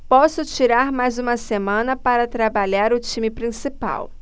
posso tirar mais uma semana para trabalhar o time principal